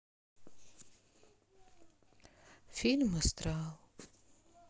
фильм астрал